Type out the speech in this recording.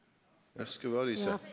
ja skru av lyset!